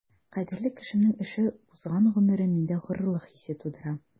Кадерле кешемнең эше, узган гомере миндә горурлык хисе тудыра.